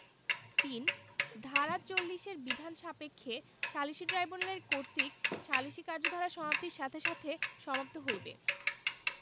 ৩ ধারা ৪০ এর বিধান সাপেক্ষে সালিসী ট্রাইব্যুনালের কর্তৃত্ব সালিসী কার্যধারা সমাপ্তির সাথে সাথে সমাপ্ত হইবে